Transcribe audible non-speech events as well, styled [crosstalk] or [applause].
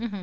[hesitation] [hesitation]